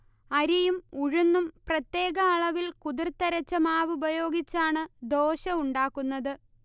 അരിയും ഉഴുന്നും പ്രത്യേക അളവിൽ കുതിർത്തരച്ച മാവ് ഉപയോഗിച്ചാണ് ദോശ ഉണ്ടാക്കുന്നത്